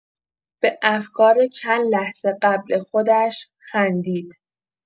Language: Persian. به افکار چند لحظه قبل خودش خندید!